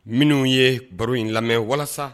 Minnu ye baro in lamɛn walasa